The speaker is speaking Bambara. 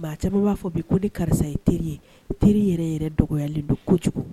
Maa caman b'a fɔ bi ko ni karisa ye teri ye teri yɛrɛ yɛrɛ dɔgɔyali don kojugu